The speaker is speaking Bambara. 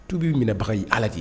Tu b'i minɛbaga i ala de ye